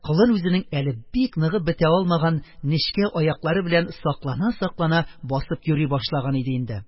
Колын үзенең, әле бик ныгып бетә алмаган, нечкә аяклары белән саклана-саклана басып йөри башлаган иде инде.